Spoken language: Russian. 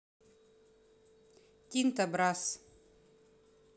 тинто брасс